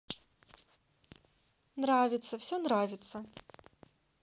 нравится все нравится